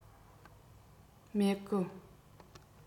མེད གི